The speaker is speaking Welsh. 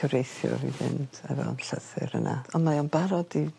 cyfreithwr i fi fynd efo yym llythyr yna. On' mae o'n barod i